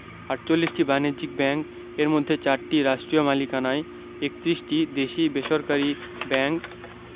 ৪৮টি বাণিজ্যিক ব্যাংক এর মধ্যে ৪টি রাষ্ট্রীয় মালিকানায় ৩১টি দেশী বেসরকারি ব্যাংক